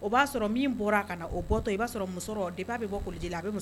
O b'a sɔrɔ min bɔra a ka na o bɔtɔ i b'a sɔrɔ muso de b'a bɛ bɔ kolon